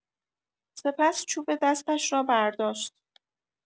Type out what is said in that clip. سپس چوب‌دستش را برداشت.